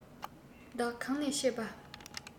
བདག གང ནས ཆས པ